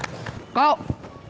cậu